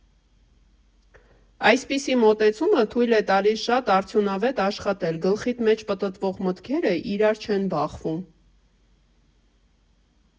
Այսպիսի մոտեցումը թույլ է տալիս շատ արդյունավետ աշխատել՝ գլխիդ մեջ պտտվող մտքերը իրար չեն բախվում։